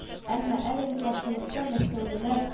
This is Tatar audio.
Әмма әлеге каршылыкта мәскәүлеләр